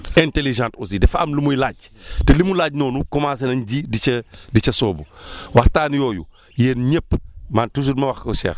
intelligente aussi dafa am lu muy laaj te li muy laaj noonu commencé nañ di di ca di ca sóobu waxtaan yooyu yéen ñëpp man toujours ma wax ko Cheikh